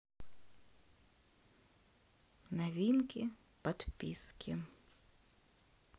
новинки подписки